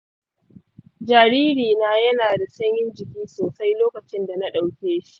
jaririna yana da sanyin jiki sosai lokacin da na ɗauke shi.